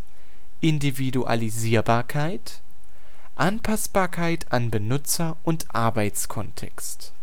Individualisierbarkeit – Anpassbarkeit an Benutzer und Arbeitskontext